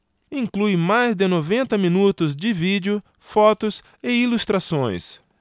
inclui mais de noventa minutos de vídeo fotos e ilustrações